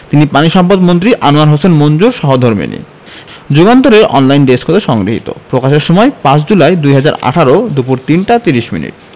তিনি পানিসম্পদমন্ত্রী আনোয়ার হোসেন মঞ্জুর সহধর্মিণী যুগান্তর এর অনলাইন ডেস্ক হতে সংগৃহীত প্রকাশের সময় ৫ জুলাই ২০১৮ দুপুর ৩টা ৩০ মিনিট